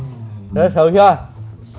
đấy xấu chưa